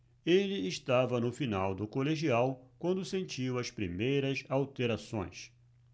ele estava no final do colegial quando sentiu as primeiras alterações